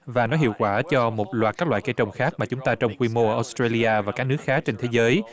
và nó hiệu quả cho một loạt các loại cây trồng khác mà chúng ta trong quy mô ở ót xờ trây li a và các nước khác trên thế giới